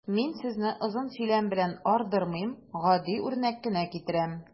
Мин сезне озын сөйләм белән ардырмыйм, гади үрнәк кенә китерәм.